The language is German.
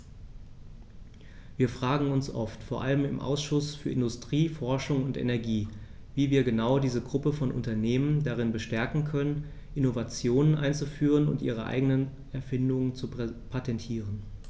Wir fragen uns oft, vor allem im Ausschuss für Industrie, Forschung und Energie, wie wir genau diese Gruppe von Unternehmen darin bestärken können, Innovationen einzuführen und ihre eigenen Erfindungen zu patentieren.